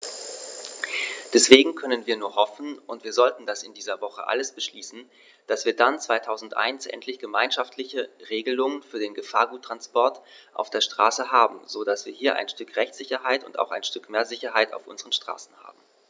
Deswegen können wir nur hoffen - und wir sollten das in dieser Woche alles beschließen -, dass wir dann 2001 endlich gemeinschaftliche Regelungen für den Gefahrguttransport auf der Straße haben, so dass wir hier ein Stück Rechtssicherheit und auch ein Stück mehr Sicherheit auf unseren Straßen haben.